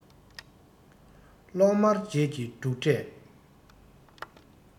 གློག དམར རྗེས ཀྱི འབྲུག སྒྲས